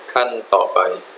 ขั้นต่อไป